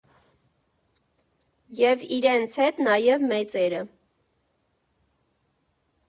ԵՒ իրենց հետ նաև մեծերը։